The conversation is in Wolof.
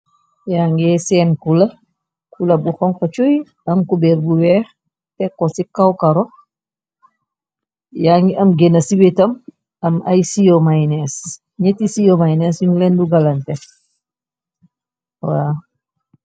Yaa nge seen kula kula bu xonka cuy am kubeer bu weex tekko ci kawkaro yaa ngi am géna ci wétam am ay siwo maynoise ñeeti siowo maynoise nyun len dugalanté.